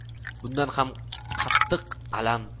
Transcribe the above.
bundan ham qattiq alam